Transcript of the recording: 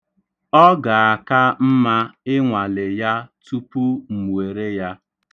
Ọ ga-aka mma ịnwale ya tupu m were ya.